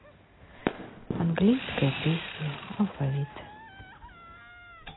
английская песня алфавит